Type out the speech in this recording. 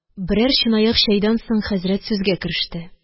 Берәр чынаяк чәйдән соң хәзрәт сүзгә кереште.